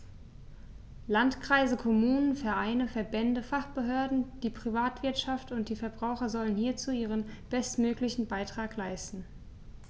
Landkreise, Kommunen, Vereine, Verbände, Fachbehörden, die Privatwirtschaft und die Verbraucher sollen hierzu ihren bestmöglichen Beitrag leisten.